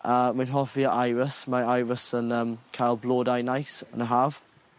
A mae'n hoffi y Iris mae Iris yn yym ca'l blodau neis yn y haf.